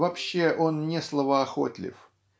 вообще, он не словоохотлив.